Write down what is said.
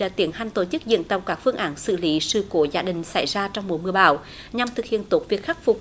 đã tiến hành tổ chức diễn tập các phương án xử lý sự cố giả định xảy ra trong mùa mưa bão nhằm thực hiện tốt việc khắc phục